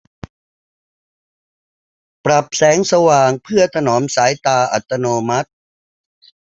ปรับแสงสว่างเพื่อถนอมสายตาอัตโนมัติ